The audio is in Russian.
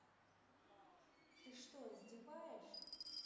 ты что издеваешь